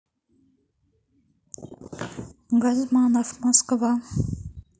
газманов москва